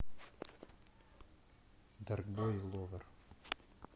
dark boy и lover